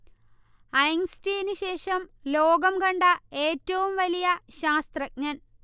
ഐൻസ്റ്റീന് ശേഷം ലോകം കണ്ട ഏറ്റവും വലിയ ശാസ്ത്രജ്ഞൻ